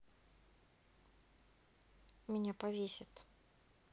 меня повесит